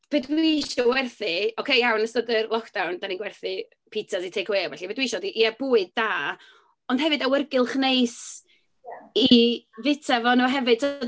Be dwi isio werthu... Ocê iawn, yn ystod yr lockdown, dan ni'n gwerthu pitsas i tecawê a ballu. Be dwi isio ydi ie, bwyd da, ond hefyd awyrgylch neis i fyta fo a nhw hefyd, tibod?